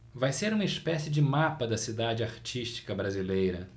vai ser uma espécie de mapa da cidade artística brasileira